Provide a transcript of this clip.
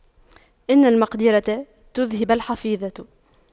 إن المقْدِرة تُذْهِبَ الحفيظة